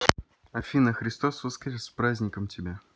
афина христос воскресе с праздником тебя